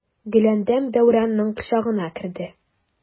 Гөләндәм Дәүранның кочагына керде.